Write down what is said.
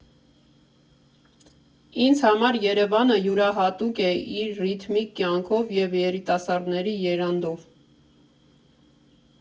Ինձ համար Երևանը յուրահատուկ է իր ռիթմիկ կյանքով ու երիտասարդների եռանդով։